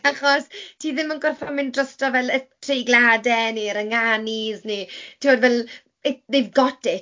Achos ti ddim yn gorfod mynd drosto fel y treigladau neu'r ynganus, neu timod fel, they've got it.